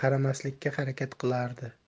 qaramaslikka harakat qilardi